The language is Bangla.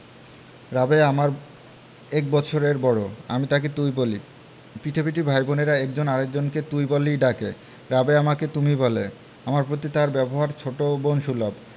রাবেয়া আমার এক বৎসরের বড় আমি তাকে তুই বলি পিঠাপিঠি ভাই বোনের একজন আরেক জনকে তুই বলেই ডাকে রাবেয়া আমাকে তুমি বলে আমার প্রতি তার ব্যবহার ছোট বোন সুলভ